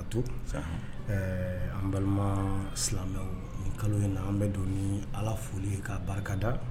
Ka to an balima silamɛw ni kalo ye an bɛ don ni ala foli kaa barika da